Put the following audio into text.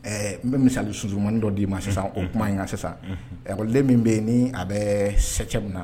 N bɛ misali sumsumaniin dɔ d dii ma sisan o tuma in yan sisan ɛlen min bɛ yen ni a bɛ sɛcɛ na